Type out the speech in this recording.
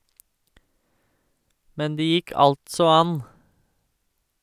Men det gikk altså an.